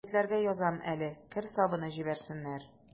Егетләргә язам әле: кер сабыны җибәрсеннәр.